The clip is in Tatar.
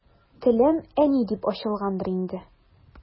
Телем «әни» дип ачылгангадыр инде.